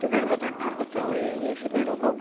Dwi'n meddwl bod o'n hanfodol i iechyd meddwl pawb.